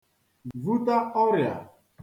vuta ọrịà